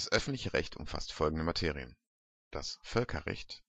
öffentliche Recht umfasst folgende Materien: Völkerrecht